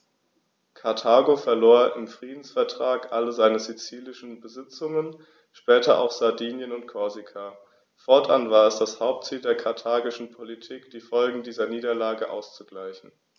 Karthago verlor im Friedensvertrag alle seine sizilischen Besitzungen (später auch Sardinien und Korsika); fortan war es das Hauptziel der karthagischen Politik, die Folgen dieser Niederlage auszugleichen.